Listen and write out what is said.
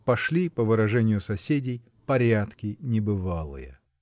пошли, по выражению соседей, "порядки небывалые".